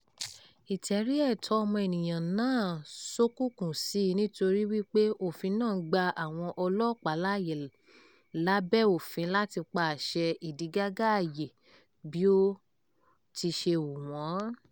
Ìtẹ́rí ẹ̀tọ́ ọmọnìyàn náà ṣ'ókùnkùn sí i nítorí wípé òfin náà gba àwọn ọlọ́pàá láyè lábẹ́ òfin láti pa àṣẹ ìdígàgá-àyè bí ó ti ṣe hù wọ́n.